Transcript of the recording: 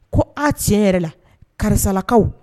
Ko a tiɲɛ yɛrɛ la karisalakaw